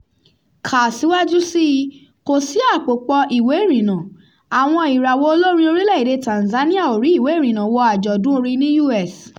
Kà síwájú sí i: Kò Sí Àpòpọ̀ Ìwé Ìrìnnà': Àwọn ìràwọ̀ olórin orílẹ̀-èdè Tanzania ò rí ìwé ìrìnnà wọ àjọ̀dún orin ní US